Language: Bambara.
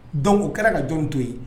Dɔnku o kɛra ka jɔn to yen